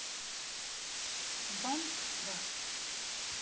банк красный